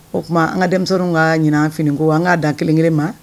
O tuma an ka denmisɛnnin ka ɲinan fini ko an k'a dan kelenkelen ma